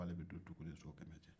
k'ale bɛ don dugu ni so kɛmɛ cɛ